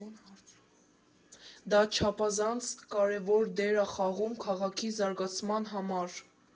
Դա չափազանց կարևոր դեր ա խաղում քաղաքի զարգացման հարցում։